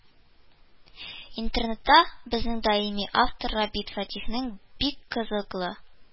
Интернетта безнең даими автор Рабит Фәтихның бик кызыклы